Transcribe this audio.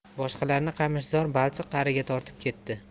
boshqalarini qamishzor balchiq qariga tortib ketdi